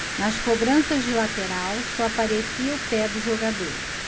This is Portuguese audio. nas cobranças de lateral só aparecia o pé do jogador